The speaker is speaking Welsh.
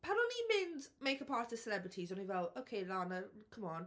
Pan o'n i'n mynd make-up artist, celebrities o'n i fel; "Ok, Lana come on."